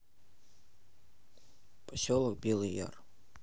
поселок белый яр